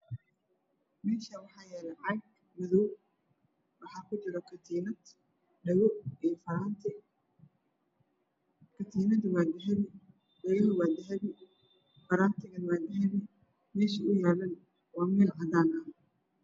Meshan waxaa yalo caag madow waxaa ku jiro katiinad dhagao dhago iyo farnti katiinadu wa dahapi farantiga wa dahpi meesha uu yala wa meel cadanaa ah